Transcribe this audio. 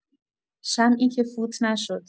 شمعی که فوت نشد.